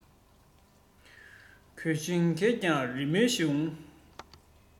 གོས ཆེན རྒས ཀྱང རི མོའི གཞུང